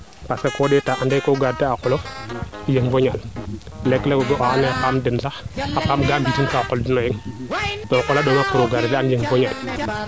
parce ande ko ndeeta ko garder a o kolof yeng bo ñaal leeg leeg o nduqo xa ando naye xa qaal den sax to o qol a ndoma pour o garder in koy